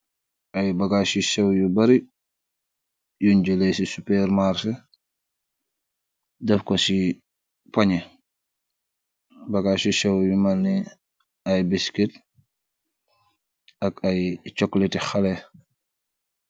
Ay bagas yu seew yu bari yun geleh si supermarch deff ko si paney basgas yu seew yu melni ay biscuit ak ay chocolatee hale.